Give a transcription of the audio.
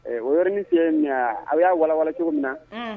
O y ye ni fɛ a y'a wawa cogo min na